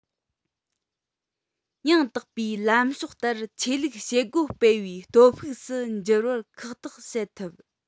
ཡང དག པའི ལམ ཕྱོགས ལྟར ཆོས ལུགས བྱེད སྒོ སྤེལ པའི སྟོབས ཤུགས སུ འགྱུར བར ཁག ཐེག བྱེད ཐུབ